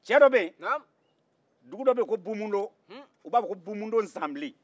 cɛ dɔ be yen dugu dɔ be yen ko bumudo u b'a fɔ ko bumudo zanbilen